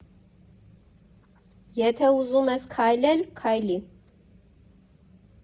Եթե ուզում ես քայլել, քայլի։